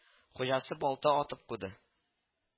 Хуҗасы балта атып куды